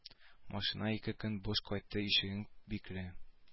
Машина ике көн буш кайтты ишегең бикле